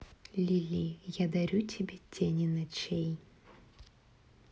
lily я дарю тебе тени ночей